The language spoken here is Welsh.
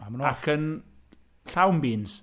Ac yn llawn beans.